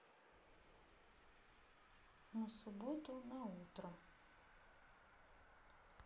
на субботу на утро